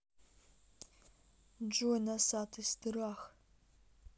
джой носатый страх